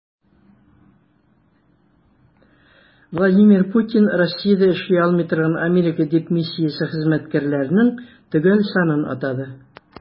Владимир Путин Россиядә эшли алмый торган Америка дипмиссиясе хезмәткәрләренең төгәл санын атады.